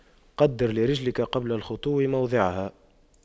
قَدِّرْ لِرِجْلِكَ قبل الخطو موضعها